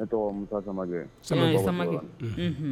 Ne tɔgɔ musa samakɛ